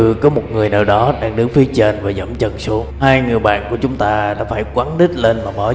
giống như có một người nào đó đang đứng phía trên và giẫm chân xuống hai người bạn của chúng ta đã phải